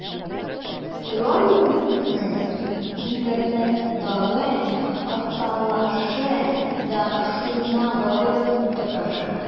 Троллингның интернеттагы аталышы да шуңа барып тоташа.